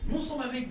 Muso ma min